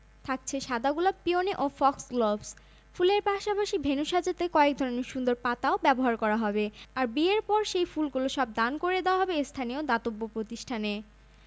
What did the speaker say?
বেলা সাড়ে ১১টার কিছু আগে থেকে তাঁরা আসতে শুরু করবেন তাঁদের মধ্যে কেউ গাড়িতে চড়ে কেউ আবার হেঁটেই সেখানে উপস্থিত হবেন মেগানের মা ডোরিয়া রাগল্যান্ড